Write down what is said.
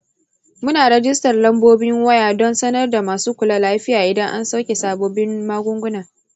muna rajistar lambobin waya don sanar da masu kula lafiya idan an sauke sabobin magunguna.